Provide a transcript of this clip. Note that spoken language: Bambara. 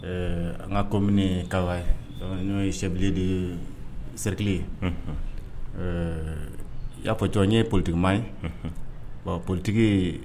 Ɛɛ an ka kɔmini ka n'o ye sɛ de seriti ye ɛɛ y'a fɔj ye politigima ye bɔn politigi